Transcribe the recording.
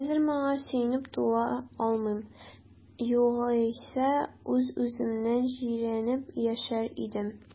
Хәзер моңа сөенеп туя алмыйм, югыйсә үз-үземнән җирәнеп яшәр идем.